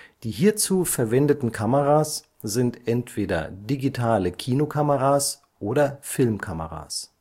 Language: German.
Die hierzu verwendeten Kameras sind entweder digitale Kinokameras oder Filmkameras